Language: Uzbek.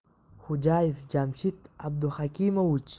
xo'jayev jamshid abduhakimovich